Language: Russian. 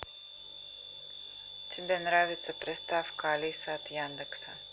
тебе нравится приставка алиса от яндекса